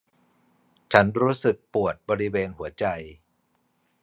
ฉันรู้สึกปวดบริเวณหัวใจ